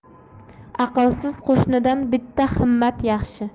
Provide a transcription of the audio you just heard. aqlsiz qo'shnidan bitta himmat yaxshi